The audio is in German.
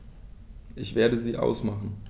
Ich werde sie ausmachen.